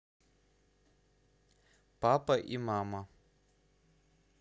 папа и мама